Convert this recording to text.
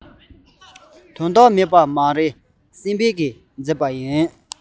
དོན མེད མ ཡིན སེམས དཔའི མཛད པ ལགས